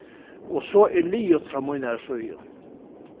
og so er liðugt frá mínari síðu